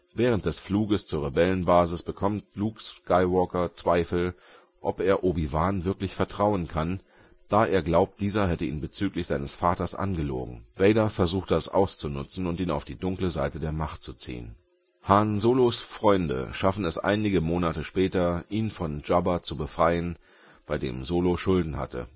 Während des Fluges zur Rebellenbasis bekommt Luke Skywalker Zweifel, ob er Obi Wan wirklich vertrauen kann, da er glaubt, dieser hätte ihn bezüglich seines Vaters angelogen. Vader versucht das auszunutzen und ihn auf die dunklen Seite der Macht zu ziehen. Han Solos Freunde schaffen es einige Monate später, ihn von Jabba zu befreien, bei dem Solo Schulden hatte